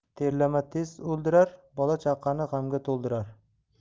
terlama tez o'ldirar bola chaqani g'amga to'ldirar